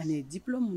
A ye diplôme min